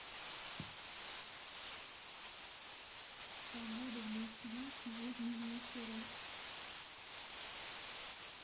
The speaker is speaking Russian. погода в москве сегодня вечером